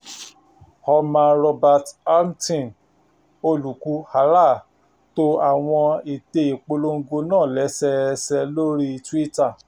Omar Robert Hamilton, olùkùu Alaa, to àwọn ète ìpolongo náà lẹ́sẹẹsẹ lóríi Twitter: